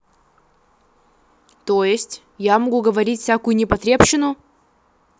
то есть я могу говорить всякую непотребщину